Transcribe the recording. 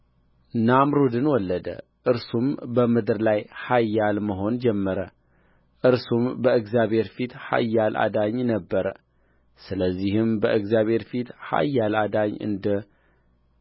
ናምሩድን ወለደ እርሱም በምድር ላይ ኃያል መሆንን ጀመረ እርሱም በእግዚአብሔር ፊት ኃያል አዳኝ ነበረ ስለዚህም በእግዚአብሔር ፊት ኃያል አዳኝ እንደ